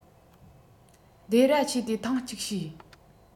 སྡེ ར བྱས ཏེ ཐེངས གཅིག བྱས